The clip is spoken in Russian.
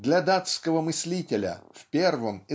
Для датского мыслителя в первом